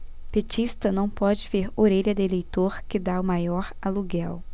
petista não pode ver orelha de eleitor que tá o maior aluguel